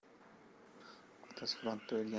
otasi frontda o'lgan